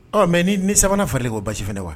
Mɛ ni sabanan fara de k'o baasi fɛ wa